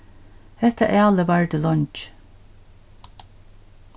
hetta ælið vardi leingi